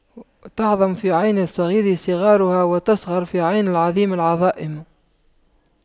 وتعظم في عين الصغير صغارها وتصغر في عين العظيم العظائم